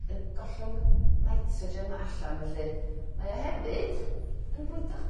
yn gollwng nitrogen allan felly mae o hefyd yn bwydo'ch